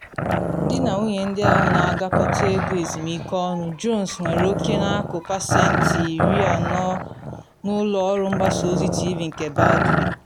Di na nwunye ndị ahụ na agakọta ego ezumike ọnụ, Jones nwere oke n’akụ pasentị 40 n’ụlọ ọrụ mgbasa ozi TV nke Baldwin.